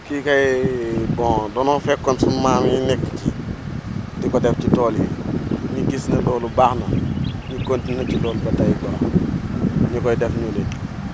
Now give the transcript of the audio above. kii kay bon danoo fekkoon sunu maam yi nekk ci di ko def ci tool yi ñu gis ne loolu baax na ñu continué ci loolu ba tey quoi ñu koy def ñun it